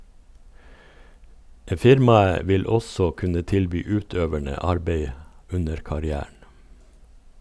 Firmaet vil også kunne tilby utøverne arbeid under karrieren.